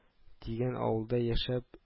Дигән авылда яшәп